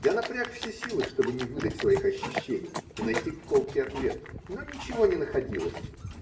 Я напряг все силы, чтобы не выдать своих ощущений и найти колкий ответ, но ничего не находилось.